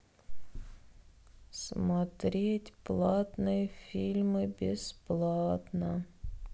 смотреть платные фильмы бесплатно